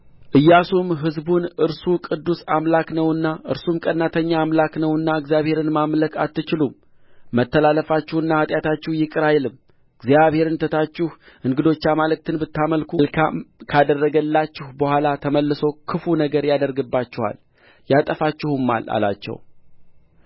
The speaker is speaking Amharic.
ኢያሱም ሕዝቡን እርሱ ቅዱስ አምላክ ነውና እርሱም ቀናተኛ አምላክ ነውና እግዚአብሔርን ማምለክ አትችሉም መተላለፋችሁንና ኃጢአታችሁን ይቅር አይልም እግዚአብሔርን ትታችሁ እንግዶችን አማልክት ብታመልኩ መልካም ካደረገላችሁ በኋላ ተመልሶ ክፉ ነገር ያደርግባችኋል ያጠፋችሁማል አላቸው